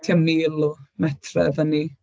Tua mil o metrau i fyny.